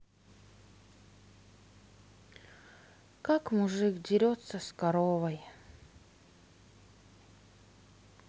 как мужик дерется с коровой